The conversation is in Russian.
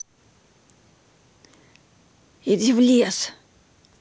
иди в лес